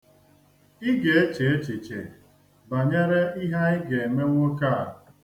I ga-eche echiche banyere ihe anyị ga-eme nwoke a?